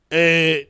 Ee